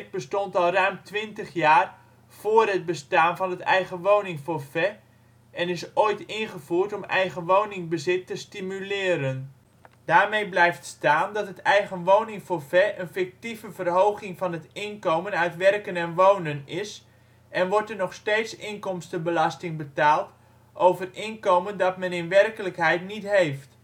bestond al ruim 20 jaar vóór het bestaan van het eigenwoningforfait en is ooit ingevoerd om eigenwoningbezit te stimuleren. Daarmee blijft staan dat het eigenwoningforfait een (fictieve) verhoging van het inkomen uit werken en wonen is en wordt er nog steeds inkomstenbelasting betaald over inkomen dat men in werkelijkheid niet heeft